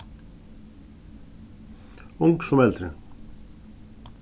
ung sum eldri